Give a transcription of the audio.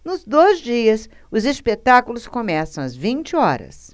nos dois dias os espetáculos começam às vinte horas